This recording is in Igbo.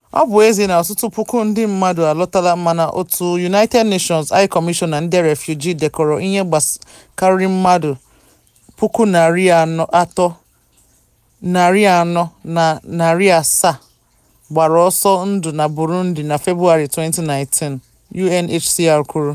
Ọ bụ ezie na ọtụtụ puku ndị mmadụ alọtala, mana òtù United Nations High Commissioner for Refugees dekọrọ ihe karịrị mmadụ 347,000 gbara ọsọ ndụ na Burundi na Febụwarị 2019, UNHCR kwuru: